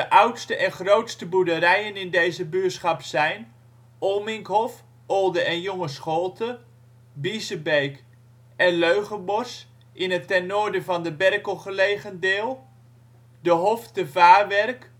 oudste en grootste boerderijen in deze buurschap zijn: Olminkhof (Olde en Jonge Scholte), Biezebeek en Leugemors in het ten noorden van de Berkel gelegen deel, de Hof te Vaarwerk